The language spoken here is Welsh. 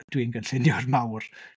Dwi'n gynlluniwr mawr.